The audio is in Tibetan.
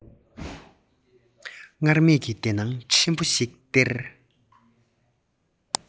སྔར མེད ཀྱི བདེ སྣང ཕྲན བུ ཞིག སྟེར